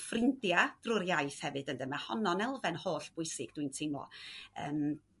ffrindia' drw'r iaith hefyd ynde? Ma' honno'n elfen hollbwysig dwi'n teimlo yym